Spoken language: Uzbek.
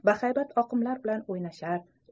bahaybat oqimlar bilan o'ynashar